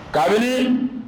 Kabini